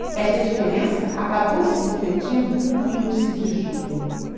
esta diferença acabou se refletindo no índice de julho